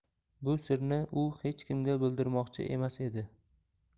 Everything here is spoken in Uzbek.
bu sirni u hech kimga bildirmoqchi emas edi